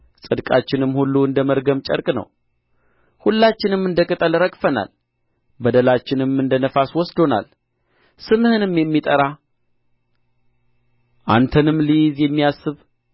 ጽድቃችንም ሁሉ እንደ መርገም ጨርቅ ነው ሁላችንም እንደ ቅጠል ረግፈናል በደላችንም እንደ ነፋስ ወስዶናል ስምህንም የሚጠራ አንተንም ሊይዝ የሚያስብ